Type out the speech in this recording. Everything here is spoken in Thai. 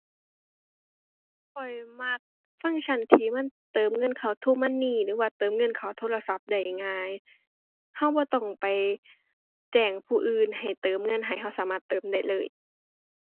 ข้อยมักฟังก์ชันที่มันเติมเงินเข้า TrueMoney หรือว่าเติมเงินเข้าโทรศัพท์ได้ง่าย เราบ่ต้องไปแจ้งผู้อื่นให้เติมเงินให้ เราสามารถเติมได้เลย